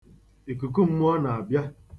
Ikuku mmụọ na-abịa.